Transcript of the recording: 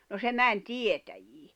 no se meni tietäjiin